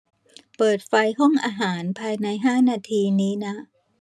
เปิดไฟห้องอาหารภายในห้านาทีนี้นะ